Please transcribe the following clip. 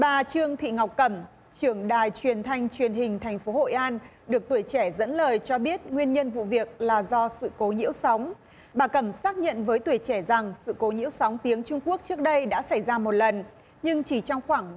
bà trương thị ngọc cẩm trưởng đài truyền thanh truyền hình thành phố hội an được tuổi trẻ dẫn lời cho biết nguyên nhân vụ việc là do sự cố nhiễu sóng bà cẩm xác nhận với tuổi trẻ rằng sự cố nhiễu sóng tiếng trung quốc trước đây đã xảy ra một lần nhưng chỉ trong khoảng